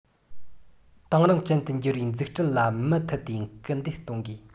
དེང རབས ཅན དུ འགྱུར བའི འཛུགས སྐྲུན ལ མུ མཐུད དེ སྐུལ འདེད གཏོང དགོས